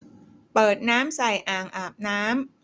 เปิดน้ำใส่อ่างอาบน้ำ